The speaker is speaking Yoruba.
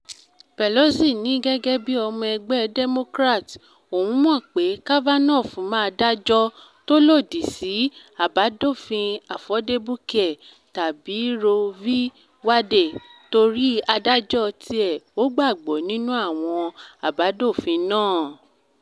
Pelosi ní gẹ́gẹ́ bí ọmọ ẹgbẹ́ Democrat òun mọ pé Kavanaugh máa dájọ́ tó lọdì sí Àbádòfin Affordable Care tabí Roe V. Wade torí adájọ tiẹ̀ ‘ò gbàgbọ́ nínú àwọn abádòfin náà.